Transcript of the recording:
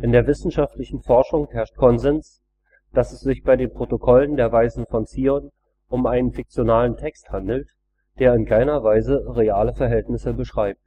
der wissenschaftlichen Forschung herrscht Konsens, dass es sich bei den Protokollen der Weisen von Zion um einen fiktionalen Text handelt, der in keiner Weise reale Verhältnisse beschreibt